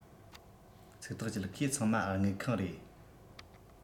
ཚིག ཐག བཅད ཁོས ཚང མ དངུལ ཁང རེད